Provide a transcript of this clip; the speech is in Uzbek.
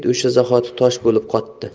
o'sha zahoti tosh bo'lib qotdi